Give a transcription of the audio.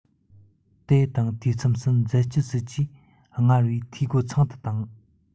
དེ དང དུས མཚུངས སུ འཛད སྤྱོད སྲིད ཇུས སྔར བས འཐུས སྒོ ཚང དུ བཏང